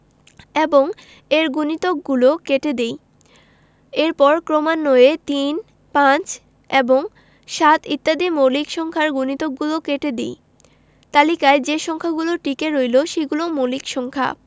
এবং এর গুণিতকগলো কেটে দেই এরপর ক্রমান্বয়ে ৩ ৫ এবং ৭ ইত্যাদি মৌলিক সংখ্যার গুণিতকগুলো কেটে দিই তালিকায় যে সংখ্যাগুলো টিকে রইল সেগুলো মৌলিক সংখ্যা